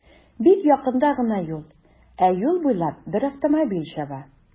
Бик якында гына юл, ә юл буйлап бер автомобиль чаба.